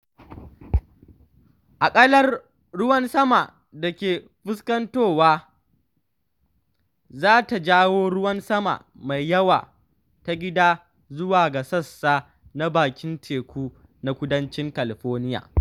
Akalar ruwan saman da ke fuskantowa za ta jawo ruwan sama mai yawa ta gida zuwa ga sassa na bakin teku na Kudancin California.